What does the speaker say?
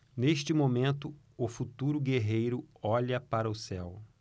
neste momento o futuro guerreiro olha para o céu